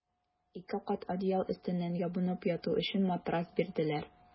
Ике кат одеял өстеннән ябынып яту өчен матрас бирделәр.